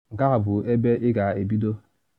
Nke a bụ ebe ị ga-ebido.